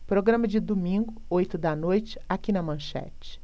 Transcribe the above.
programa de domingo oito da noite aqui na manchete